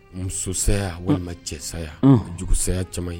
Musosaya walima cɛsaya, unhun, jugusaya caman ye